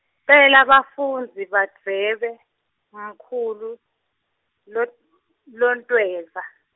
cela bafundzi badvwebe mkhulu lot- Lontweza.